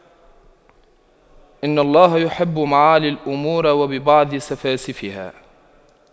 إن الله يحب معالي الأمور ويبغض سفاسفها